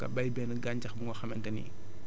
bu dee tamit mun nga def li ñu naan engrais vert